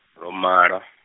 ro mala.